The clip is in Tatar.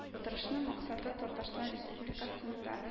Утырышның максаты – “Татарстан Республикасында